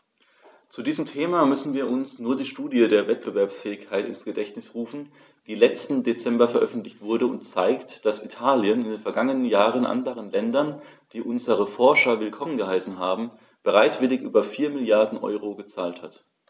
Zu diesem Thema müssen wir uns nur die Studie zur Wettbewerbsfähigkeit ins Gedächtnis rufen, die letzten Dezember veröffentlicht wurde und zeigt, dass Italien in den vergangenen Jahren anderen Ländern, die unsere Forscher willkommen geheißen haben, bereitwillig über 4 Mrd. EUR gezahlt hat.